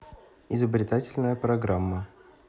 изобретательная программа